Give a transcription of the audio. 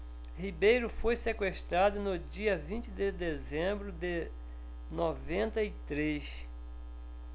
ribeiro foi sequestrado no dia vinte de dezembro de noventa e três